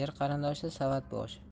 er qarindoshi savat boshi